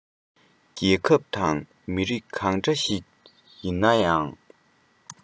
རྒྱལ ཁབ དང མི རིགས གང འདྲ ཞིག ཡིན ནའང